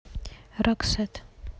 roxette